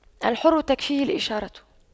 الحر تكفيه الإشارة